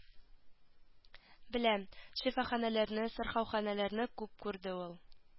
Беләм шифаханәләрне сырхауханәләрне күп күрде ул